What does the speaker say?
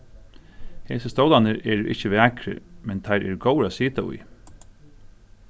hesir stólarnir eru ikki vakrir men teir eru góðir at sita í